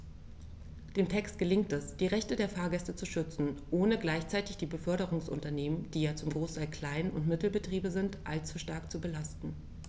Dem Text gelingt es, die Rechte der Fahrgäste zu schützen, ohne gleichzeitig die Beförderungsunternehmen - die ja zum Großteil Klein- und Mittelbetriebe sind - allzu stark zu belasten.